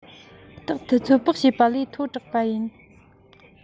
རྟག ཏུ ཚོད དཔག བྱས པ ལས མཐོ དྲགས པ ཡིན